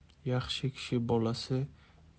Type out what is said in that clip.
yaxshi kishi bolasi